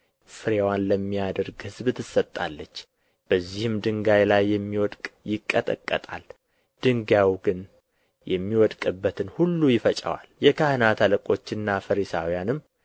ፍሬዋንም ለሚያደርግ ሕዝብ ትሰጣለች በዚህም ድንጋይ ላይ የሚወድቅ ይቀጠቀጣል ድንጋዩ ግን የሚወድቅበትን ሁሉ ይፈጨዋል የካህናት አለቆችና ፈሪሳውያንም